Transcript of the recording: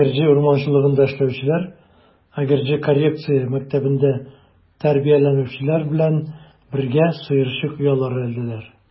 Әгерҗе урманчылыгында эшләүчеләр Әгерҗе коррекция мәктәбендә тәрбияләнүчеләр белән бергә сыерчык оялары элделәр.